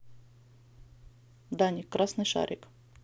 даник красный шарик